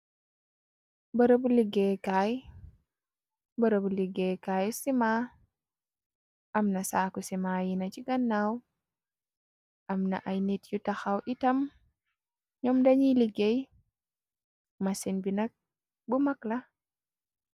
Bërëbu liggéekaay sima amna saaku sima yina ci gannaaw. Amna ay nit yu taxaw itam ñoom dañiy liggéey ma seen bi nag bu mag la.